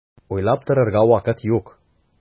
Уйлап торырга вакыт юк!